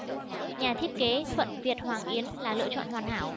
nhà thiết kế thuận việt hoàng yến là lựa chọn hoàn hảo